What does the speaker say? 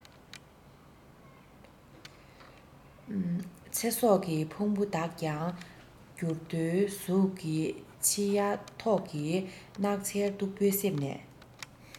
ཚེ སྲོག གི ཕུང པོ དག ཀྱང འགྱུར རྡོའི གཟུགས ཀྱིས ཤི ཡ ཐོག གི ནགས ཚལ སྟུག པོའི གསེབ ནས